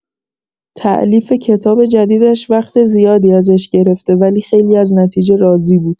تألیف کتاب جدیدش وقت زیادی ازش گرفت ولی خیلی از نتیجه راضی بود.